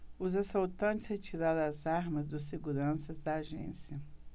os assaltantes retiraram as armas dos seguranças da agência